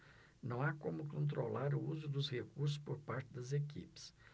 não há como controlar o uso dos recursos por parte das equipes